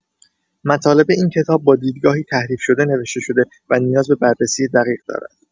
مطالب این کتاب با دیدگاهی تحریف‌شده نوشته شده و نیاز به بررسی دقیق دارد.